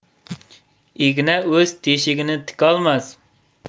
igna o'z teshigini tikolmas